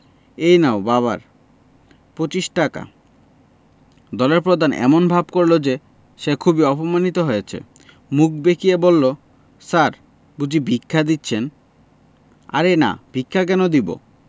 এই নাও বাবার পঁচিশ টাকা দলের প্রধান এমন ভাব করল যে সে খুবই অপমানিত হয়েছে মুখ বেঁকিয়ে বলল স্যার বুঝি ভিক্ষা দিচ্ছেন আরে না ভিক্ষা কেন দিব